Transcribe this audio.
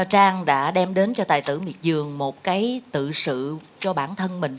trang đã đem đến cho tài tử miệt giường một cái tự sự cho bản thân mình